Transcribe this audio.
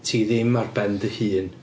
Ti ddim ar ben dy hun.